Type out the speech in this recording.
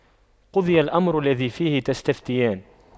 قُضِيَ الأَمرُ الَّذِي فِيهِ تَستَفِتيَانِ